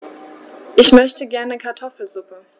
Ich möchte gerne Kartoffelsuppe.